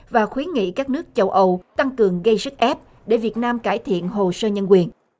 và khuyến nghị các nước châu âu tăng cường gây sức ép để việt nam cải thiện hồ sơ nhân quyền